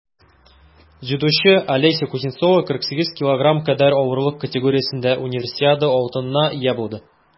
Дзюдочы Алеся Кузнецова 48 кг кадәр авырлык категориясендә Универсиада алтынына ия булды.